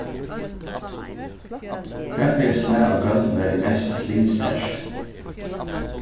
hvat fyri slag av gólvi er mest slitsterkt